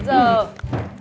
giờ